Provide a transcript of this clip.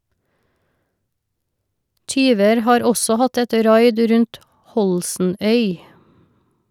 - Tyver har også hatt et raid rundt Holsenøy.